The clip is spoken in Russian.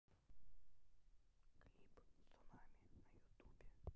клип цунами на ютубе